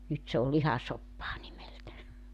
nyt se on lihasoppaa nimeltä